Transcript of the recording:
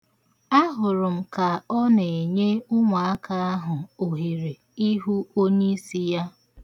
Ahụrụ m ka ọ na-enye ụmụaka ahụ ohere ịhụ onyeisi ya.